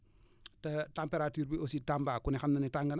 te température bi aussi Tamba ku ne xam na ni tàng